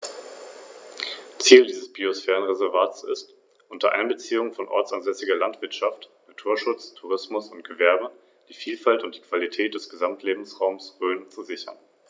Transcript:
Durch das Rahmenkonzept des Biosphärenreservates wurde hier ein Konsens erzielt.